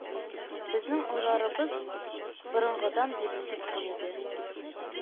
Безнең уйларыбыз борынгыдан бирле тоткын иде